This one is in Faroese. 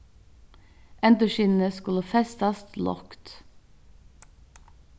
endurskinini skulu festast lágt